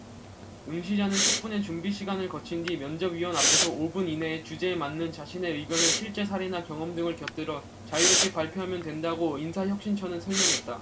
응시자는 십 분의 준비시간을 거친 뒤 면집위원 앞에서 오 분 이내에 주제에 맞는 자신의 의견을 실제사례나 경험 등을 곁들여 자유롭게 발표하면 된다고 인사혁신처는 설명했다